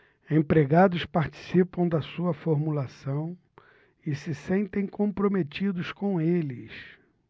empregados participam da sua formulação e se sentem comprometidos com eles